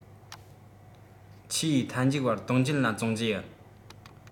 ཆེས མཐའ མཇུག བར ཏུང ཅིན ལ བཙོང རྒྱུ ཡིན